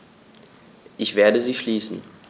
Ich werde sie schließen.